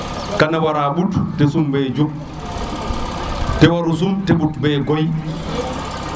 kana wara ɓut te sum be jum te wara sum te ɓut be goy